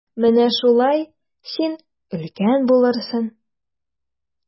Менә шулай, син өлкән булырсың.